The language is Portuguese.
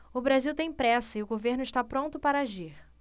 o brasil tem pressa e o governo está pronto para agir